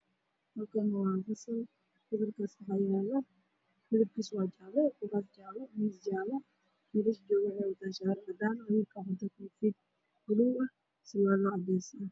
Halkaan waa fasalka fasalkaasi waxaa yaala midabkiisa waa jaalle buugaag jaalle miis jaallo wiilasha joogana waxay wataan shaati cadaan ah wiil wuxuu wataa koofi baluug ah surwaalo cadays ah.